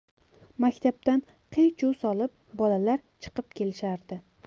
maktabdan qiy chuv solib bolalar chiqib kelishardi